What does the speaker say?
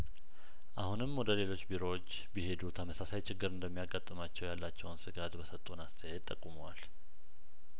አሁንም ወደ ሌሎች ቢሮዎች ቢሄዱ ተመሳሳይ ችግር እንደሚያጋጥማቸው ያላቸውን ስጋት በሰጡን አስተያየት ጠቁመዋል